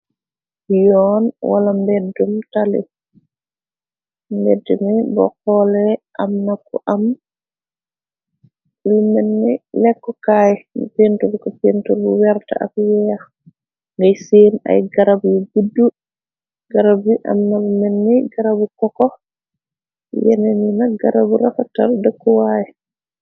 Yoon wala tmbeddni, bo xoole am naku am lu menni , pintul ko pint bu werte ak yeex, seen ay garab yu budd, garab yi am na lu menni garabu kokox, yene ni na garabu rafatal dëkkuwaay.